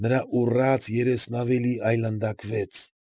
Նրա ուռած երեսն ավելի այլանդակվեց։